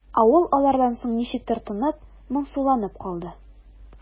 Авыл алардан соң ничектер тынып, моңсуланып калды.